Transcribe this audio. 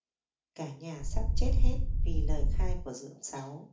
cả nhà sắp chết hết vì lời khai của dượng sáu